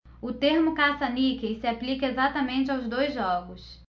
o termo caça-níqueis se aplica exatamente aos dois jogos